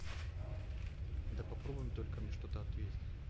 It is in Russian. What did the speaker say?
да попробуй только мне что то ответить